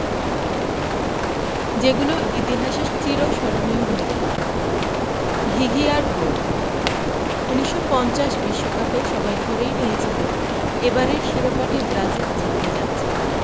যেগুলো ইতিহাসে চিরস্মরণীয় হয়ে থাকবে ঘিঘিয়ার গোল ১৯৫০ বিশ্বকাপে সবাই ধরেই নিয়েছিল এবারের শিরোপাটি ব্রাজিল জিততে যাচ্ছে